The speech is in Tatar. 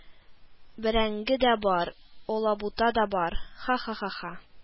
– бәрәңге дә бар, алабута да бар, ха-ха-ха